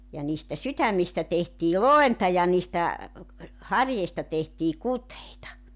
ja niistä sydämistä tehtiin lointa ja niistä harjeista tehtiin kuteita